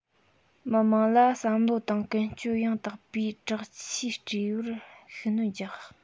མི དམངས ལ བསམ བློ དང ཀུན སྤྱོད ཡང དག པས དྲག ཆས སྤྲས པར ཤུགས སྣོན རྒྱག